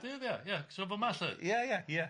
Caerdydd ia ia so fa'ma 'lly? Ia ia ia.